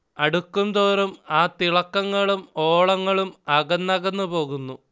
അടുക്കുംതോറും ആ തിളക്കങ്ങളും ഓളങ്ങളും അകന്നകന്നു പോകുന്നു